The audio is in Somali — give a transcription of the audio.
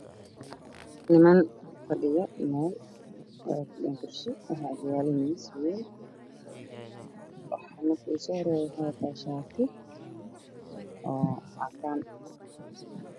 Niman fadhiyo meel waxay ku fadhiyaan kursi waxaa ag yaallo miis weyn ninka u soo horeeyo wuxu wataa shaati caddaan